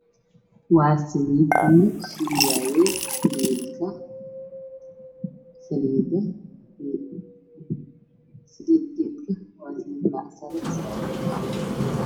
Waa saliidda lagu sheegayo geelka waxaa ii muuqda wiil saaran kor geelka midabkiisu waa caddaan